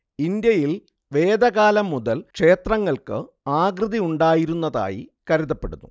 ഇന്ത്യയിൽ വേദകാലം മുതൽ ക്ഷേത്രങ്ങൾക്ക് ആകൃതി ഉണ്ടായിരുന്നതായി കരുതപ്പെടുന്നു